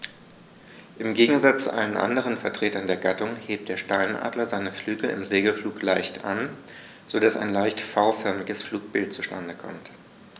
Im Gegensatz zu allen anderen Vertretern der Gattung hebt der Steinadler seine Flügel im Segelflug leicht an, so dass ein leicht V-förmiges Flugbild zustande kommt.